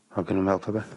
O'dd gin 'im elp o'dd e?